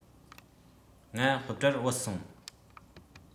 ང སློབ གྲྭར བུད སོང